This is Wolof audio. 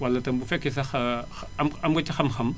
wala tam bu fekkee sax am nga ci xam-xam